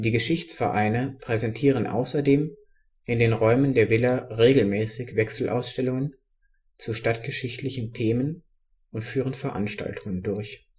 Geschichtsvereine präsentieren außerdem in den Räumen der Villa regelmäßig Wechselausstellungen zu stadtgeschichtlichen Themen und führen Veranstaltungen durch